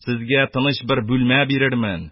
Сезгә тыныч бер бүлмә бирермен,